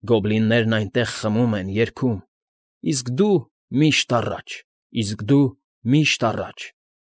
Գոբլիններն այնտեղ խմում են, երգում։ Իսկ դու՝ միշտ առաջ, իսկ դու՝ միշտ առաջ։